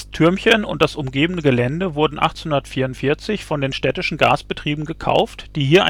und das umgebende Gelände wurden 1844 von den städtischen Gasbetrieben gekauft, die